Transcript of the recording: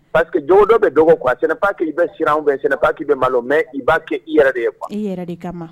Parce que jogo dɔ bɛ dɔgɔ quoi, c'es n'est pas que i bɛ siran ou bien ce n'est pas que i b'a malo, mais i b'a kɛ i yɛrɛ de kama, i b'a kɛ i yɛrɛ kama.